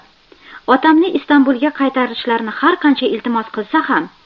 otamni istambulga qaytarishlarini har qancha iltimos qilsa ham